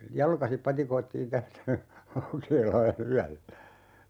jalkaisin patikoitiin tästä Laukeelaan yöllä